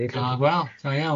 A wel, da iawn.